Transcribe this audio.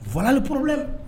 Fli porolen